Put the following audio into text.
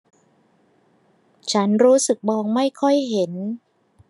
ฉันรู้สึกมองไม่ค่อยเห็น